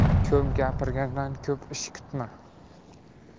ko'p gapirgandan ko'p ish kutma